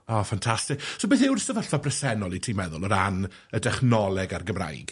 O, fantastic. So beth yw'r sefyllfa bresennol, wyt ti'n meddwl, o ran y dechnoleg a'r Gymraeg?